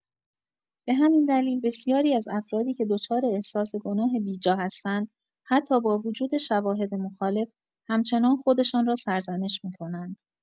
به همین دلیل، بسیاری از افرادی که دچار احساس گناه بی‌جا هستند، حتی با وجود شواهد مخالف، همچنان خودشان را سرزنش می‌کنند.